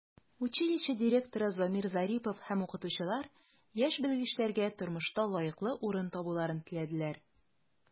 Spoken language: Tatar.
Училище директоры Замир Зарипов һәм укытучылар яшь белгечләргә тормышта лаеклы урын табуларын теләделәр.